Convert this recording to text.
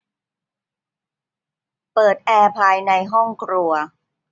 เปิดแอร์ภายในห้องครัว